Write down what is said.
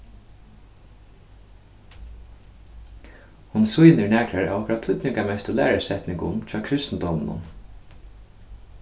hon sýnir nakrar av týdningarmestu lærusetningum hjá kristindóminum